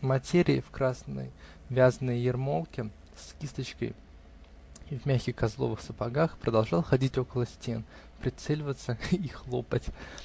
материи, в красной вязаной ермолке с кисточкой и в мягких козловых сапогах, продолжал ходить около стен, прицеливаться и хлопать.